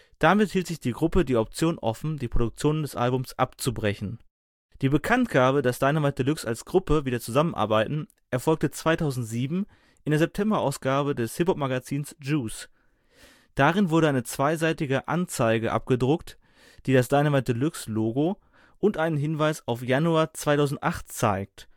Damit hielt sich die Gruppe die Option offen, die Produktion des Albums abzubrechen. Die Bekanntgabe, dass Dynamite Deluxe als Gruppe wieder zusammenarbeiten, erfolgte 2007 in der September-Ausgabe des Hip-Hop-Magazins Juice. Darin wurde eine zweiseitige Anzeige abgedruckt, die das Dynamite Deluxe-Logo und einen Hinweis auf Januar 2008 zeigt